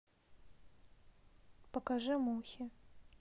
покажи мухи